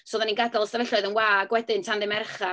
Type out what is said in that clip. So, oedden ni'n gadael y stafelloedd yn wag wedyn tan ddydd Mercher.